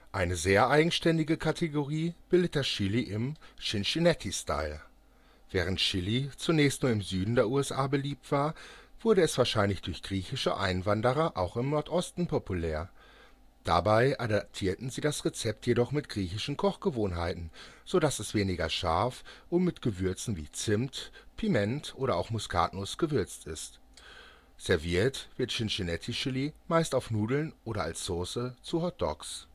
Eine sehr eigenständige Kategorie bildet das Chili im Cincinnati Style. Während Chili zunächst nur im Süden der USA beliebt war, wurde es wahrscheinlich durch griechische Einwanderer auch im Nordosten populär. Dabei adaptierten sie das Rezept jedoch mit griechischen Kochgewohnheiten, so dass es weniger scharf und mit Gewürzen wie Zimt, Piment oder auch Muskatnuss gewürzt ist. Serviert wird Cincinnati Chili meist auf Nudeln oder als Sauce zu Hot Dogs